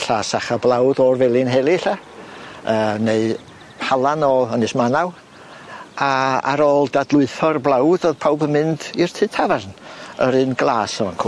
Ella sacha blawd o'r Felinheli ella yy neu halan o Ynys Manaw a ar ôl dadlwytho'r blawd o'dd pawb yn mynd i'r tŷ tafarn yr un glas o fancŵ.